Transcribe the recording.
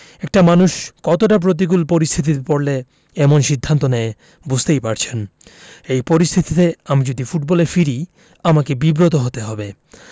একটা মানুষ কতটা প্রতিকূল পরিস্থিতিতে পড়লে এমন সিদ্ধান্ত নেয় বুঝতেই পারছেন এই পরিস্থিতিতে আমি যদি ফুটবলে ফিরি আমাকে বিব্রত হতে হবে